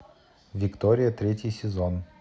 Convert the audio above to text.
виктория третий сезон